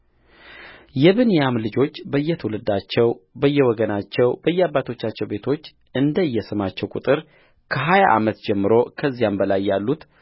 የብንያም ልጆች በየትውልዳቸው በየወገናቸው በየአባቶቻቸው ቤቶች እንደየስማቸው ቍጥር ከሀያ ዓመት ጀምሮ ከዚያም በላይ ያሉት